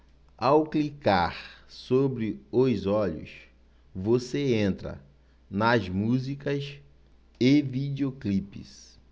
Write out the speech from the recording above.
ao clicar sobre os olhos você entra nas músicas e videoclipes